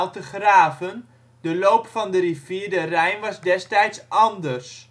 te graven (de loop van de rivier de Rijn was destijds anders